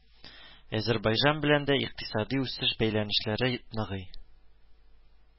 Әзербайҗан белән дә икътисади үсеш бәйләнешләре ныгый